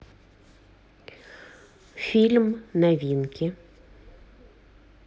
фильм новинки